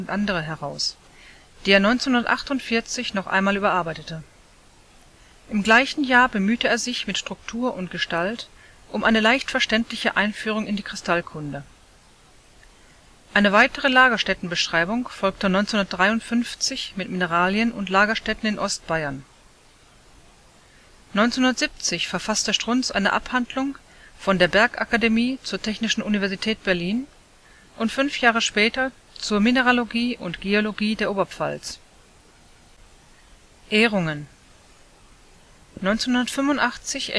1985